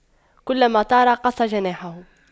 كلما طار قص جناحه